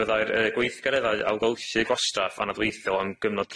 Byddai'r yy gweithgareddau ailgylchu gwastraff anadweithiol am gyfnod